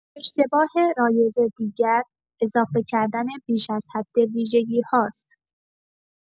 اشتباه رایج دیگر، اضافه کردن بیش از حد ویژگی‌هاست.